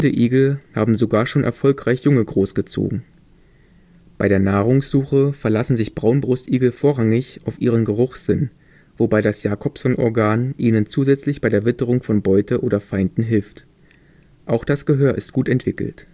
Igel haben sogar schon erfolgreich Junge großgezogen. Bei der Nahrungssuche verlassen sich Braunbrustigel vorrangig auf ihren Geruchssinn, wobei das Jacobson-Organ ihnen zusätzlich bei der Witterung von Beute oder Feinden hilft. Auch das Gehör ist gut entwickelt